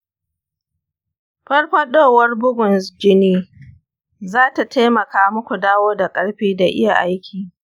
farfadowar bugun jini za ta taimaka muku dawo da ƙarfi da iya aiki.